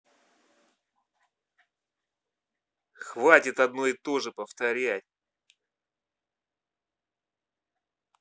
хватит одно и тоже повторять